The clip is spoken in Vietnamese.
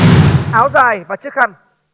áo dài và chiếc khăn